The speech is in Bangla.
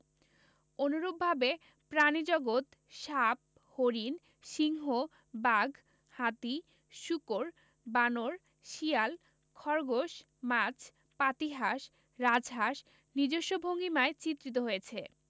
অনুরূপভাবে প্রাণীজগৎ সাপ হরিণ সিংহ বাঘ হাতি শূকর বানর শিয়াল খরগোশ মাছ পাতিহাঁস রাজহাঁস নিজস্ব ভঙ্গিমায় চিত্রিত হয়েছে